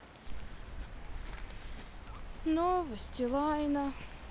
новости лайна